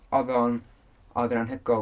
Odd o'n, oedd o'n anhygoel.